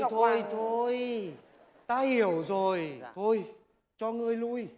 thôi thôi ta hiểu rồi thôi cho ngươi lui